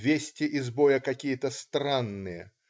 Вести из боя какие-то странные.